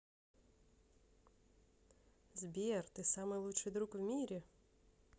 сбер ты самый лучший друг в мире